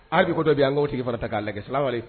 Aa bi ko dɔ be ye an k'o tigi fara ta k'a lajɛ salamwalekum